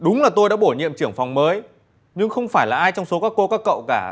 đúng là tôi đã bổ nhiệm trưởng phòng mới nhưng không phải là ai trong số các cô các cậu cả